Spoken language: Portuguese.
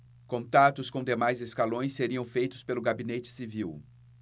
contatos com demais escalões seriam feitos pelo gabinete civil